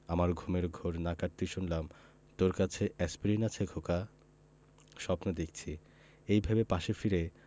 আমার ঘুমের ঘোর না কাটতেই শুনলাম তোর কাছে এ্যাসপিরিন আছে খোকা স্বপ্ন দেখছি এই ভেবে পাশে ফিরে